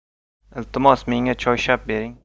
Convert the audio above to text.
iltimos menga choyshab bering